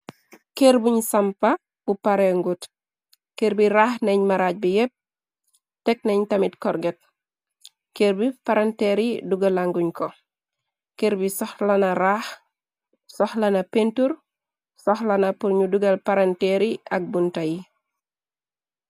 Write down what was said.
Kërr buñ sampa bu parengut kerr bi raax nañ maraaj bi yépp tek nañ tamit korget kërr bi paranteer yi dugalanguñ ko kerr bi soxlana raax soxlana pintur soxlana purnu dugal paranteeryi ak bunta yi.